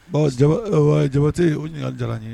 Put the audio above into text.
Bon Jabate o ɲininkali diyara n ye.